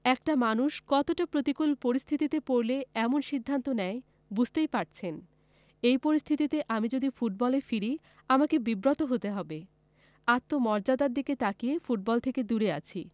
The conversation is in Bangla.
একটা মানুষ কতটা প্রতিকূল পরিস্থিতিতে পড়লে এমন সিদ্ধান্ত নেয় বুঝতেই পারছেন এই পরিস্থিতিতে আমি যদি ফুটবলে ফিরি আমাকে বিব্রত হতে হবে আত্মমর্যাদার দিকে তাকিয়ে ফুটবল থেকে দূরে আছি